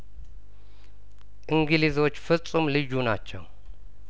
እንግሊዞች ፍጹም ልዩ ናቸው